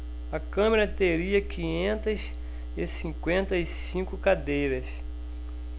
a câmara teria quinhentas e cinquenta e cinco cadeiras